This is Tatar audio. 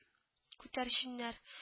Күтәрченнәр